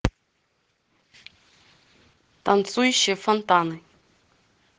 танцующие фонтаны